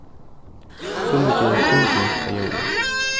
summi gerast tunglynt á jólum